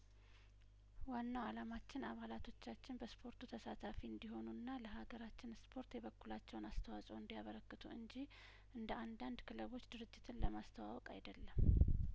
ዋናው አላማችን አባላቶቻችን በስፖርቱ ተሳታፊ እንዲሆኑና ለሀገራችን ስፖርት የበኩላቸውን አስተዋጽኦ እንዲያበረክቱ እንጂ እንደአንዳንድ ክለቦች ድርጅትን ለማስተዋወቅ አይደለም